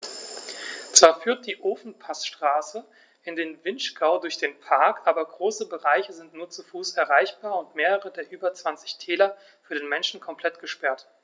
Zwar führt die Ofenpassstraße in den Vinschgau durch den Park, aber große Bereiche sind nur zu Fuß erreichbar und mehrere der über 20 Täler für den Menschen komplett gesperrt.